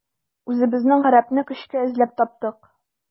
Үзебезнең гарәпне көчкә эзләп таптык.